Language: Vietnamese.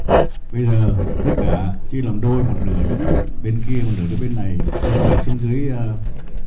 bây giờ tất cả chia làm đôi một nửa đứng bên kia một nửa đứng bên này quay mặt xuống dưới